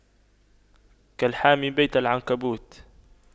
كالمحتمي ببيت العنكبوت